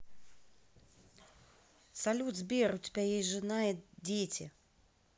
салют сбер у тебя есть жена и дети